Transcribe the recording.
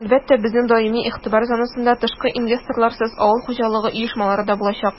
Әлбәттә, безнең даими игътибар зонасында тышкы инвесторларсыз авыл хуҗалыгы оешмалары да булачак.